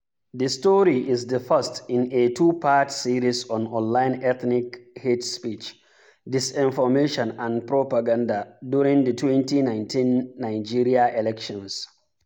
This story is the first in a two-part series on online ethnic hate speech, disinformation and propaganda during the 2019 Nigeria elections.